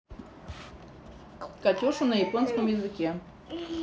катюшу на японском языке